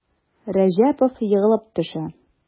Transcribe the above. Рәҗәпов егылып төшә.